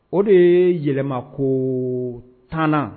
O de ye yɛlɛma ko tanana